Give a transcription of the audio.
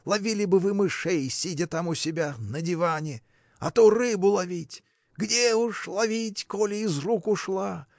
ловили бы вы мышей, сидя там у себя, на диване; а то рыбу ловить! Где уж ловить, коли из рук ушла?